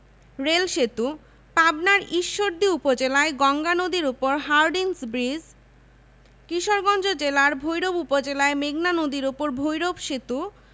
rail সেতুঃ পাবনার ঈশ্বরদী উপজেলায় গঙ্গা নদীর উপর হার্ডিঞ্জ ব্রিজ কিশোরগঞ্জ জেলার ভৈরব উপজেলায় মেঘনা নদীর উপর ভৈরব সেতু